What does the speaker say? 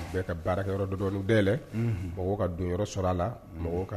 Baarakɛ yɔrɔ mɔgɔw ka don yɔrɔ sɔrɔ a la